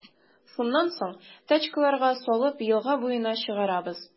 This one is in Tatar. Шуннан соң, тачкаларга салып, елга буена чыгарабыз.